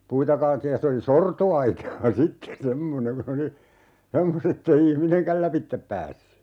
puita kaadettiin ja se oli sortoaitaa sitten semmoinen kun oli semmoista että ei ihminenkään lävitse päässyt